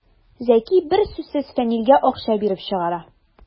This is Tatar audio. Зәки бер сүзсез Фәнилгә акча биреп чыгара.